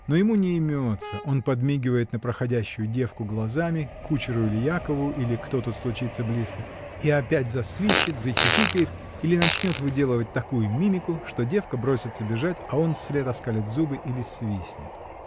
Но ему неймется: он подмигивает на проходящую девку глазами кучеру, или Якову, или кто тут случится близко, и опять засвищет, захихикает или начнет выделывать такую мимику, что девка бросится бежать, а он вслед оскалит зубы или свистнет.